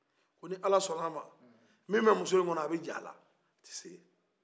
ko ni ala sɔnna a ma min bɛ muso in kɔnɔ a bɛ diyɛ ala a tɛ se